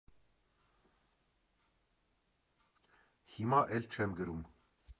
Հիմա էլ չեմ գրում։